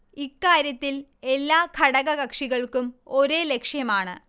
ഇക്കാര്യത്തിൽ എല്ലാ ഘടക കക്ഷികൾക്കും ഒരേ ലക്ഷ്യമാണ്